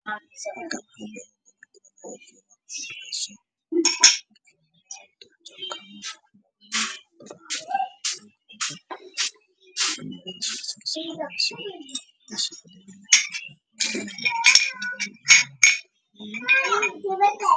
Waxaa ka muuqdo maamooyin oo fadhiyaan meel banaan ah mamada geeska ugu soo jirtay waxay wadataa xijaab luug